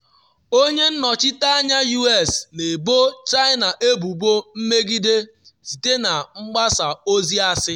Onye nnọchite anya U.S na-ebo China Ebubo “mmegide” site na ‘mgbasa ozi asị’